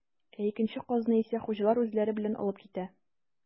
Ә икенче казны исә хуҗалар үзләре белән алып китә.